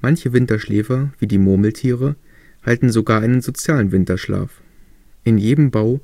Manche Winterschläfer wie die Murmeltiere halten sogar einen sozialen Winterschlaf. In jedem Bau